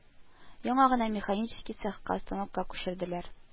Яңа гына механический цехка, станокка күчерделәр